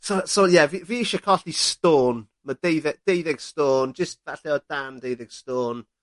so so ie fi fi isie colli stôn ma' deudde- deuddeg stôn, jyst falle o dan deuddeg stôn.